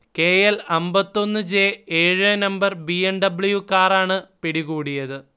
KL അമ്പത്തൊന്നു J ഏഴ് number B. M. W കാറാണ് പിടികൂടിയത്